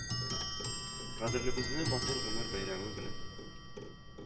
Кадерлебезне матур гомер бәйрәме белән